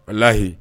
Walahi